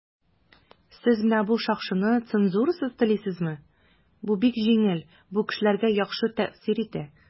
"сез менә бу шакшыны цензурасыз телисезме?" - бу бик җиңел, бу кешеләргә яхшы тәэсир итә.